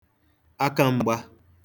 akam̄gbā